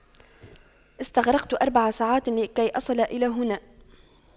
استغرقت أربع ساعات لكي أصل الى هنا